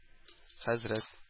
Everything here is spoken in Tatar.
Хәзрәт